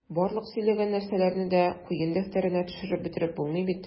Барлык сөйләнгән нәрсәләрне дә куен дәфтәренә төшереп бетереп булмый бит...